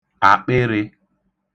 akpịrị̄